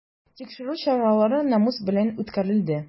Тикшерү чаралары намус белән үткәрелде.